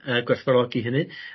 Yy gwerthfawrogi hynny.